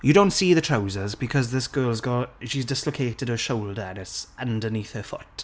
You don't see the trousers, because this girl's got... she's dislocated her shoulder and it's underneath her foot.